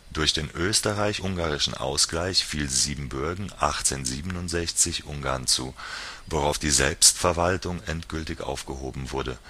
Durch den Österreichisch-Ungarischen Ausgleich fiel Siebenbürgen 1867 Ungarn zu, worauf die Selbstverwaltung endgültig aufgehoben wurde